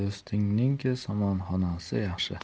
do'stingning somonxonasi yaxshi